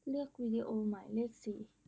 เลือกวิดีโอหมายเลขสี่